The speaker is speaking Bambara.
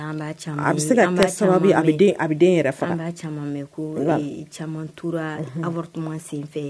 A bɛ se a bɛ den yɛrɛ mɛ ko camantura amadutuma senfɛ yen